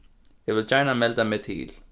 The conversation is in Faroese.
eg vil gjarna melda meg til